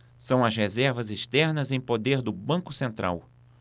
são as reservas externas em poder do banco central